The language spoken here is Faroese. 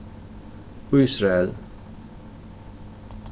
ísrael